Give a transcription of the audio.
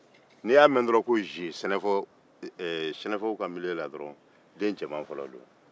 n'i y'a mɛn dɔrɔn ko ziye sɛnɛfɔw ka yɔrɔ la den cɛman fɔlɔ don